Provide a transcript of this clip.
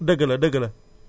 dëgg la dëgg la